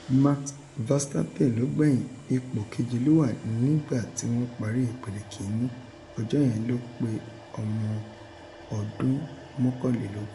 Max Verstappen ló gbẹ̀yìn. Ipò kèje ló wà nígbà tí wọ́n parí ipele kìíní. Ọjọ́ yẹn ló pé ọmọ 21 ọdún.